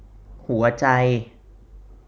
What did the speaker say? หัวใจ